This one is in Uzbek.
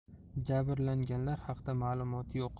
jabrlanganlar haqida ma'lumot yo'q